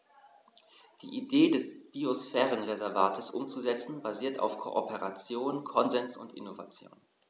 Die Idee des Biosphärenreservates umzusetzen, basiert auf Kooperation, Konsens und Innovation.